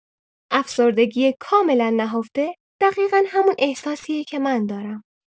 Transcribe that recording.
افسردگی کاملا نهفته دقیقا همون احساسیه که من دارم.